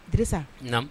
Disa